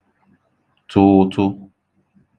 tụ ụtụ